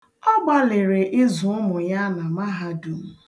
Ọ gablịrị ịzụ ụmụ ya na mahadum.